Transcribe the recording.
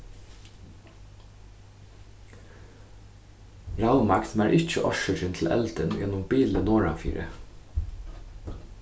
ravmagn var ikki orsøkin til eldin í einum bili norðanfyri